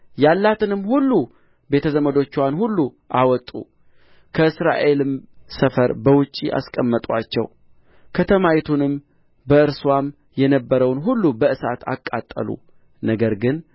ያላትንም ሁሉ ቤተ ዘመዶችዋንም ሁሉ አወጡ ከእስራኤልም ሰፈር በውጭ አስቀመጡአቸው ከተማይቱንም በእርስዋም የነበረውን ሁሉ በእሳት አቃጠሉ ነገር ግን